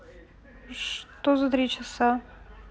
что за три часа